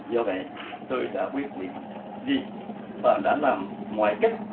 do vậy tôi đã quyết định đi và đã làm mọi cách